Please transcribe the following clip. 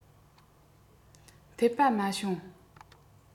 འཐད པ མ བྱུང